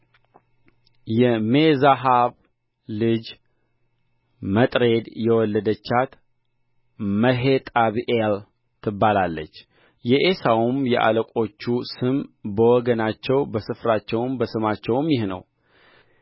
የሜዛሃብ ልጅ መጥሬድ የወለደቻት መሄጣብኤል ትባላለች የዔሳውም የአለቆቹ ስም በወገናቸው በስፍራቸው በስማቸውም ይህ ነው